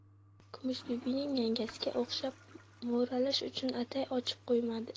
kumushbibining yangasiga o'xshab mo'ralash uchun atay ochib qo'ymadi